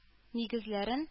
Нигезләрен